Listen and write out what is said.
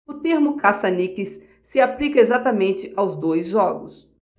o termo caça-níqueis se aplica exatamente aos dois jogos